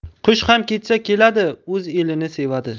qush ham ketsa keladi o'z elini sevadi